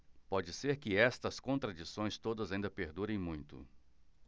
pode ser que estas contradições todas ainda perdurem muito